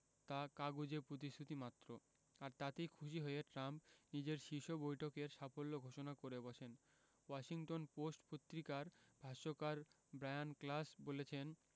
তা কাগুজে প্রতিশ্রুতিমাত্র আর তাতেই খুশি হয়ে ট্রাম্প নিজের শীর্ষ বৈঠকের সাফল্য ঘোষণা করে বসেন ওয়াশিংটন পোস্ট পত্রিকার ভাষ্যকার ব্রায়ান ক্লাস বলেছেন